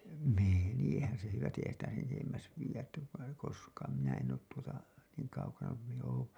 menihän se hyvästi eihän sitä sen edemmäs viedä että koskaan minä en ole tuota niin kaukana kuin minä olen ollut